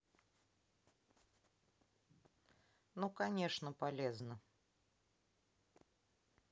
ну конечно полезно